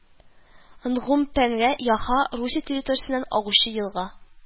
Нгумпэнга-Яха Русия территориясеннән агучы елга